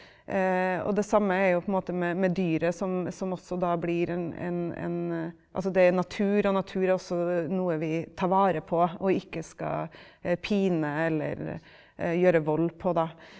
og det samme er jo på en måte med med dyret som som også da blir en en en altså det er jo natur, og natur er også noe vi tar vare på og ikke skal pine eller gjøre vold på da.